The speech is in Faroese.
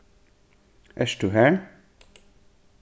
ert tú har